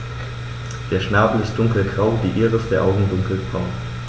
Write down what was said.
Der Schnabel ist dunkelgrau, die Iris der Augen dunkelbraun.